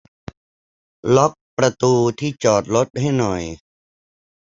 ล็อคประตูที่จอดรถให้หน่อย